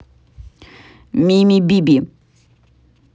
мими биби